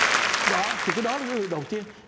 đó thì cái đó là việc đầu tiên